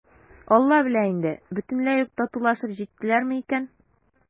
«алла белә инде, бөтенләй үк татулашып җиттеләрме икән?»